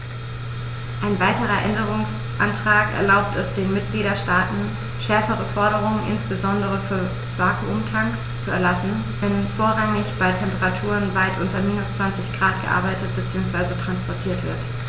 Ein weiterer Änderungsantrag erlaubt es den Mitgliedstaaten, schärfere Forderungen, insbesondere für Vakuumtanks, zu erlassen, wenn vorrangig bei Temperaturen weit unter minus 20º C gearbeitet bzw. transportiert wird.